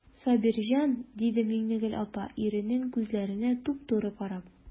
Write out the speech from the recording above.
Сабирҗан,– диде Миннегөл апа, иренең күзләренә туп-туры карап.